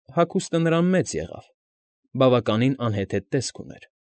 Հագուստը նրան մեծ եղավ, բավականին անհեթեթ տեսք ուներ։